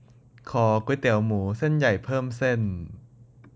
ขอก๋วยเตี๋ยวหมูเส้นใหญ่เพิ่มเส้น